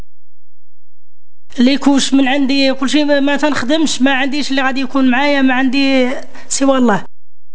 ليكوس من عندي وكل شيء ما تاخذي مش ما عنديش لا عاد يكون معي ما عندي سواليف